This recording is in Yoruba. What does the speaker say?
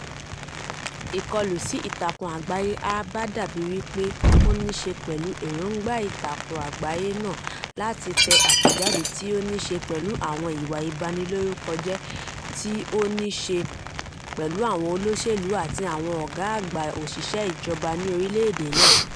Ìkọlù sí ìtàkùn àgbáyé A bàa dàbí wípé ó níí ṣe pẹ̀lú èróńgbà ìtàkùn àgbáyé náà láti tẹ àtẹ̀jáde tí ó níí ṣe pẹ̀lú àwọn ìwà ìbanilórúkọjẹ́ tí ó níí ṣe pẹ̀lú àwọn olóṣèlú àti àwọn ọ̀gá àgbà òṣìṣẹ́ ìjọba ní orílẹ̀ èdè náà.